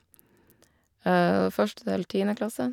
Og det var første til tiende klasse.